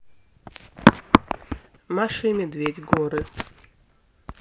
маша и медведь горы